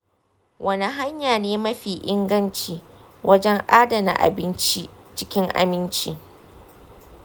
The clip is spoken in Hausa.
wani hanya ne mafi inganci wajen adana abinci cikin aminci?